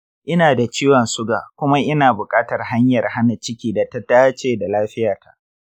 ina da ciwon suga kuma ina bukatar hanyar hana ciki da ta dace da lafiya ta.